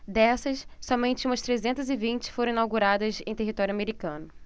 dessas somente umas trezentas e vinte foram inauguradas em território americano